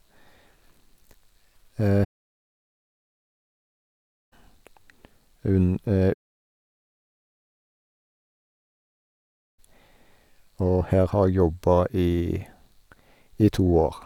un Og her har jeg jobba i i to år.